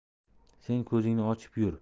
sen ko'zingni ochib yur